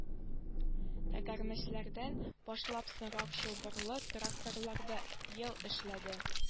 Тәгәрмәчледән башлап соңрак чылбырлы тракторларда ел эшләде